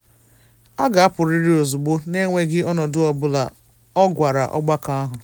“Ha ga-apụrịrị ozugbo na enweghị ọnọdụ ọ bụla,” ọ gwara ọgbakọ ahụ.